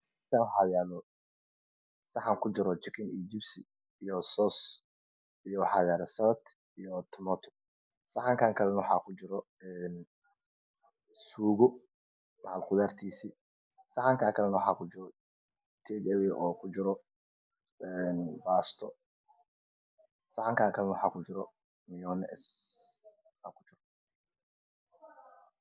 Halkanwaxa yaalo saxankujiro jikin iyo jibsi iyo sos iyo waxa yaalo salat iyo tumato saxankala waxakujiA suugo mac qudartiisa saxankankalanawaxakujira teg awey okujirabaasto saxankan kalanawaxa kujira moynes